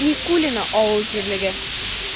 Микулино авыл җирлеге